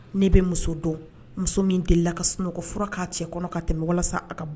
Ne muso deli ka sunɔgɔ k'a cɛ kɔnɔ ka tɛmɛ mɔgɔla sa a ka